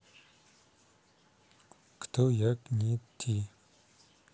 кто як не ти